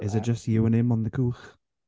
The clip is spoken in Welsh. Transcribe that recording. Is it just you and him on the cwch?